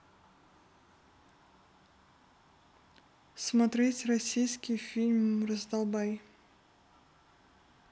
смотреть российский фильм раздолбай